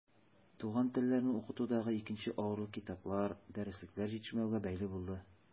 Туган телләрне укытудагы икенче авырлык китаплар, дәреслекләр җитешмәүгә бәйле булды.